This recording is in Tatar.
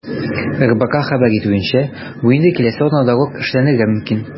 РБК хәбәр итүенчә, бу инде киләсе атнада ук эшләнергә мөмкин.